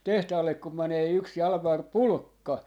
tehtaalle kun menee yksi Jalmari Pulkka